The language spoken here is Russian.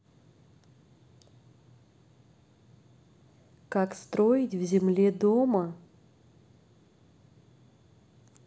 как строить в земле дома